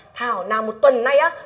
thảo nào một tuần nay á